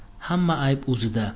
xamma ayb uzida